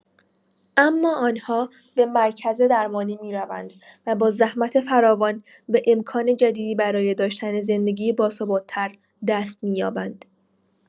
اما آن‌ها به مرکز درمانی می‌روند و با زحمت فراوان به امکان جدیدی برای داشتن زندگی باثبات‌تر دست می‌یابند.